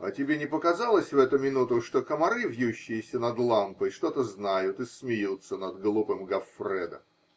-- А тебе не показалось в эту минуту, что комары, вьющиеся над лампой, что-то знают и смеются над глупым Гоффредо?